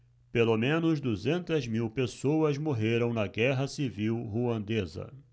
pelo menos duzentas mil pessoas morreram na guerra civil ruandesa